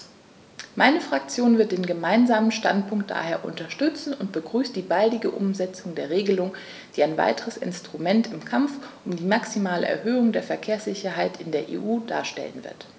Meine Fraktion wird den Gemeinsamen Standpunkt daher unterstützen und begrüßt die baldige Umsetzung der Regelung, die ein weiteres Instrument im Kampf um die maximale Erhöhung der Verkehrssicherheit in der EU darstellen wird.